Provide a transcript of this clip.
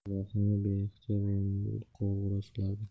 vahima beixtiyor ko'ngilga g'ulg'ula solardi